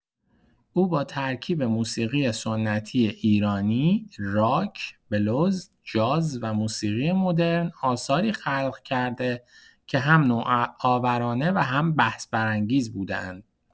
او با ترکیب موسیقی سنتی ایرانی، راک، بلوز، جاز و موسیقی مدرن، آثاری خلق کرده که هم نوآورانه و هم بحث‌برانگیز بوده‌اند.